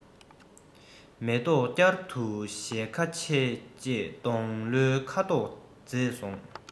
མེ ཏོག བསྐྱར དུ ཞལ ཁ ཕྱེ རྗེས སྡོང ལོའི ཁ དོག བརྗེས སོང